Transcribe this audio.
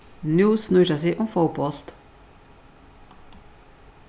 nú snýr tað seg um fótbólt